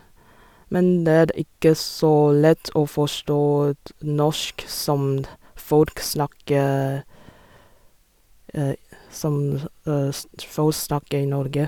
Men det er ikke så lett å forstå t norsk som d folk snakker som så sn ts folk snakker i Norge.